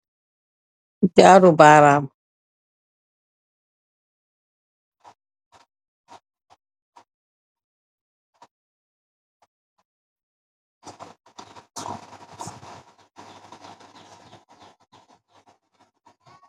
Jaaru baraam